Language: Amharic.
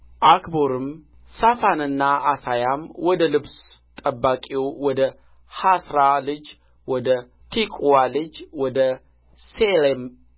ዓክቦርም ሳፋንና ዓሳያም ወደ ልብስ ጠባቂው ወደ ሐስራ ልጅ ወደ ቲቁዋ ልጅ ወደ ሴሌም